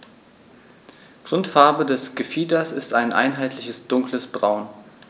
Grundfarbe des Gefieders ist ein einheitliches dunkles Braun.